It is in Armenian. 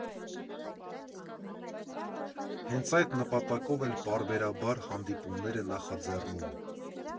Հենց այդ նպատակով էլ պարբերաբար հանդիպումներ է նախաձեռնում։